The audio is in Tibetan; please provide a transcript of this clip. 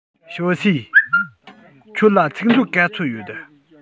ཞའོ སུའུ ཁྱོད ལ ཚིག མཛོད ག ཚོད ཡོད